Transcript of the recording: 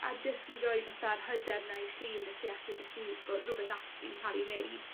a jyst i roi fatha'r hyder 'na i chi yn 'ych iechyd 'ych hun bo' rwbeth actually'n ca'l 'i neud.